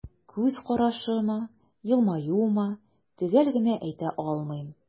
Күз карашымы, елмаюмы – төгәл генә әйтә алмыйм.